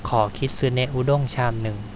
ขอคิสึเนะอุด้งชามหนึ่ง